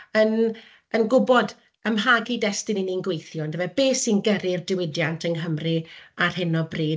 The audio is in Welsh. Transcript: yn yn gwybod, ym mha gyd-destun 'y ni'n gweithio yndyfe, be sy'n gyrru'r diwydiant yng Nghymru ar hyn o bryd?